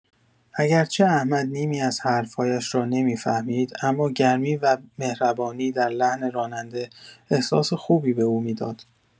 اگرچه احمد نیمی از حرف‌هایش را نمی‌فهمید، اما گرمی و مهربانی در لحن راننده، احساس خوبی به او می‌داد.